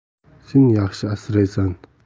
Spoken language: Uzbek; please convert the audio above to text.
sen yaxshi asraysan